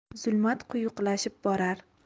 zulmat quyuqlashib borar